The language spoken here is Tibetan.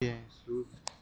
བོད ལྭ ཤམ རིང གྱོན ནས